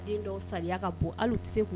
Den dɔw saliya ka bon hali u tɛ se ku